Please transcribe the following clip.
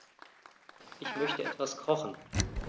Ich möchte etwas kochen.